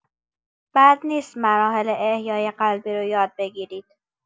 بد نیست مراحل احیای قلبی رو یاد بگیرید.